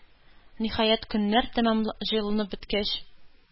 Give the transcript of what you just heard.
Ниһаять, көннәр тәмам җылынып беткәч,